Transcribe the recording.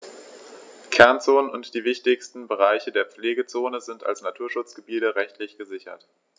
Kernzonen und die wichtigsten Bereiche der Pflegezone sind als Naturschutzgebiete rechtlich gesichert.